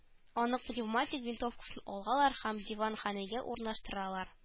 Аның пневматик винтовкасын алалар һәм дәваханәгә урнаштыралар